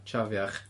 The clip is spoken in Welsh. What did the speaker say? Chafiach.